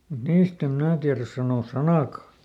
mutta niistä en minä tiedä sanoa sanaakaan